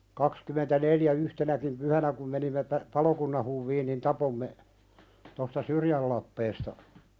kaksikymmentäneljä yhtenäkin pyhänä kun menimme - palokunnan huviin niin tapoimme tuosta Syrjän lappeesta